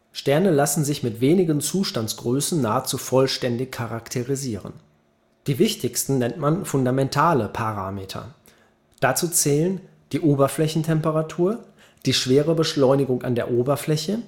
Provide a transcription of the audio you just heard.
Sterne lassen sich mit wenigen Zustandsgrößen nahezu vollständig charakterisieren. Die wichtigsten nennt man fundamentale Parameter. Dazu zählen Oberflächentemperatur Schwerebeschleunigung an der Oberfläche